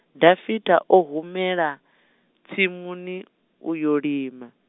Dafitha o humela, tsimuni, u yo lima.